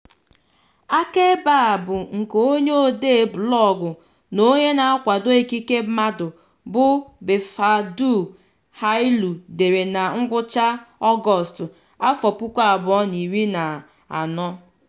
Akaebe a bụ nke onye odee blọọgụ na onye na-akwado ikike mmadụ bụ Befeqadu Hailu dere na ngwụcha Ọgọstụ 2014.